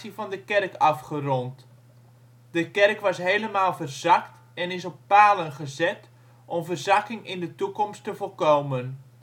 van de kerk afgerond. De kerk was helemaal verzakt en is op palen gezet om verzakking in de toekomst te voorkomen